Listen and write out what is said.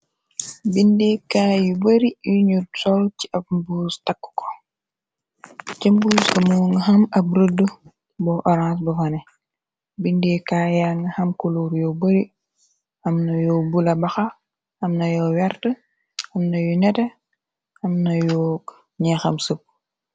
Bindeekaay yu bari yuñu sol ci ab mbuus takku ko cë mbuus ka mongi am ab rëdda bo orance bu fane bindeekaay yang xam kuluur yu bari amna yu bula baxa amna yu wert amna yu nete amna yu ñeexam sëp.